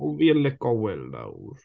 Ww fi yn licio Will nawr.